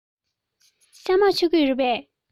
ཤ མོག མཆོད ཀྱི རེད པས